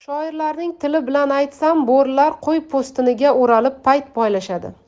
shoirlarning tili bilan aytsam bo'rilar qo'y po'stiniga o'ralib payt poylashadi